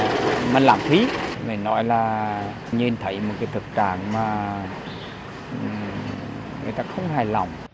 lãng phí mình nói là nhìn thấy một thực trạng mà người ta không hài lòng